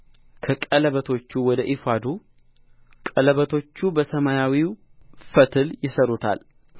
ከቀለበቶቹ ወደ ኤፉዱ ቀለበቶች በሰማያዊ ፈትል ያስሩታል